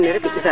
i